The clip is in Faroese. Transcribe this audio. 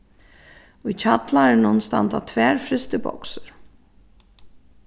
í kjallaranum standa tvær frystiboksir